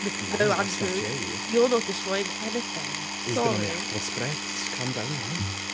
No Andrew, you're not destroying anything, sorry... He's been on the Aperol Spritz, calm down love.